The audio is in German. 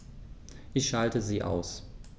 Ich schalte sie aus.